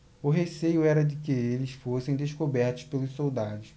o receio era de que eles fossem descobertos pelos soldados